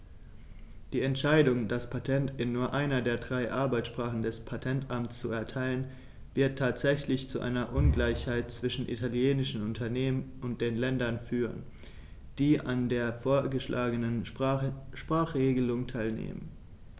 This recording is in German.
Die Entscheidung, das Patent in nur einer der drei Arbeitssprachen des Patentamts zu erteilen, wird tatsächlich zu einer Ungleichheit zwischen italienischen Unternehmen und den Ländern führen, die an der vorgeschlagenen Sprachregelung teilnehmen.